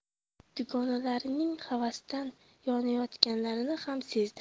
dugonalarining havasdan yonayotganlarini ham sezdi